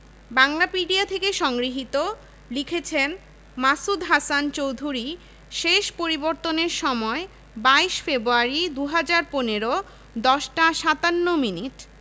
লক্ষ্মীপূজা সরস্বতীপূজা দোলযাত্রা হোলি ইত্যাদি হিন্দুদের বড়দিন খ্রিস্টানদের এবং বৌদ্ধপূর্ণিমা বৌদ্ধদের প্রধান ধর্মীয় উৎসব